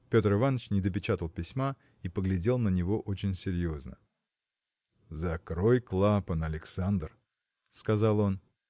Петр Иваныч не допечатал письма и поглядел на него очень серьезно. – Закрой клапан, Александр! – сказал он.